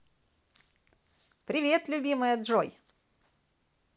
привет любимая джой